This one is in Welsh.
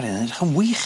Mae'n edrych yn wych.